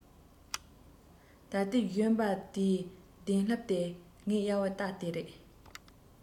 ད ལྟའི གཞོན པ དེའི གདན ལྷེབ དེ ངས གཡར བའི རྟ དེ རེད